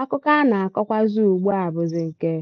Akụkọ a na-akọkwazi ugbu a bụzi nke